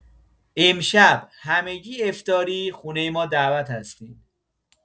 امشب همگی افطاری خونۀ ما دعوت هستین.